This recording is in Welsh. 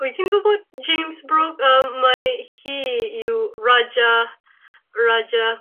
Wyt ti'n gwbod James Brooke? Yym mai hi yw Raja Raja